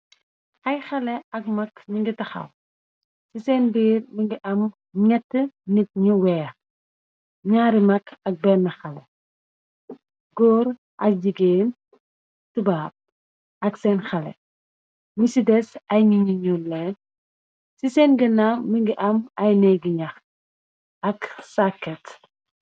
Ay xale ak mag ñu ngi taxaw ci seen biir mo ngi am ñett nit ñu weer ñaari mag ak benn xale góor ak jigéen tubaab ak seen xale nyu ci des ay ñgi ñu ñur leel ci seen ginna mi ngi am ay néegi ñax ak saaket.